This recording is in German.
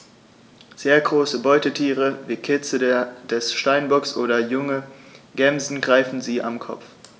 Sehr große Beutetiere wie Kitze des Steinbocks oder junge Gämsen greifen sie am Kopf.